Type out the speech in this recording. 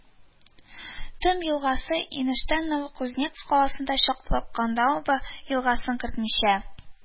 Томь елгасы, инештән Новокузнецк каласына чаклы, Кондома елгасын кертмичә,